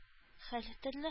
Һәртөрле